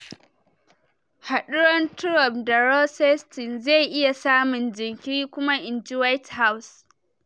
Haduwar Trump da Rosenstein zai iya samun jinkiri kuma, inji White House